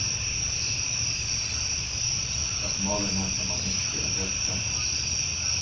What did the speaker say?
eitt mál er nakað mann ynskir at røkka